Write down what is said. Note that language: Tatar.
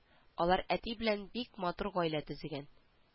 Алар әти белән бик матур гаилә төзегән